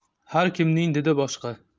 har kimning didi boshqa